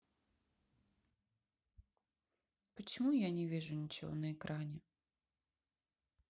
почему я не вижу ничего на экране